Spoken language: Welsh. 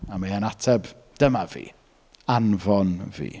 A mae e’n ateb, "dyma fi, anfon fi".